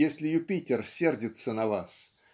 если Юпитер сердится на нас